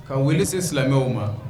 Ka wuli se silamɛw ma